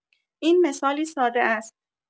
این مثالی ساده است.